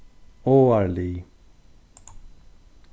áarlið